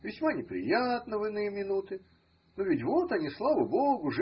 весьма неприятно в иные минуты: но ведь вот они. слава Б-гу.